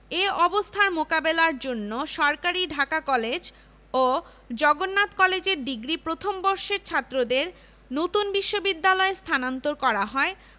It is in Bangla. ওই বছর পূর্ববাংলার শিক্ষা অর্ডিন্যান্স ঢাকা বিশ্ববিদ্যালয়ের আবাসিক কাম শিক্ষা ব্যবস্থার সঙ্গে কলেজ অধিভুক্তির এখতিয়ার যুক্ত করলে কলকাতা বিশ্ববিদ্যালয়ের অধীন ৫৫টি কলেজের